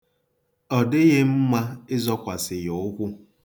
Ọ dịghị mma ịzọkwasị ya ụkwụ.